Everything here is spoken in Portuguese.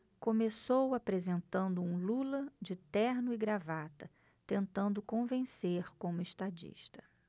começou apresentando um lula de terno e gravata tentando convencer como estadista